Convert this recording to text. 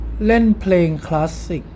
เล่นเพลงคลาสสิค